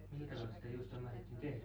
millä tavalla sitä juustoa mahdettiin tehdä